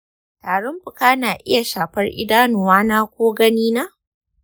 tarin fuka na iya shafar idanuwana ko ganina?